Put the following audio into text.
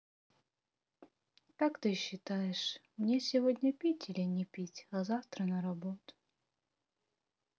как ты считаешь мне сегодня пить или не пить а завтра на работу